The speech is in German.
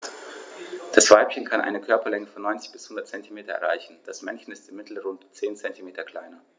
Das Weibchen kann eine Körperlänge von 90-100 cm erreichen; das Männchen ist im Mittel rund 10 cm kleiner.